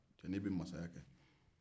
cɛnin bɛ masaya kɛ